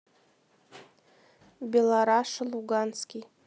белораша луганский